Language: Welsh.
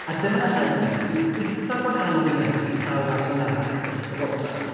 A dyma elfen sy'n eitha gwahanol rwy'n meddwl i sawl adran arall o'r Llywodraeth.